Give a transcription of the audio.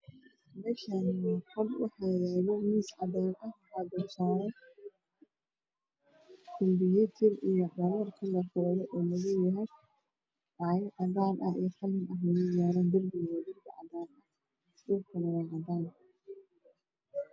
Meeshaan waa qol waxaa yaalo miis cadaan ah waxaa dulsaaran kumbuyuter iyo dhalo midabkoodu waa madow. Cabaayad cadaan ah iyo qalin madow ayaa yaalo. Darbiga waa cadaan, dhulkuna waa cadaan.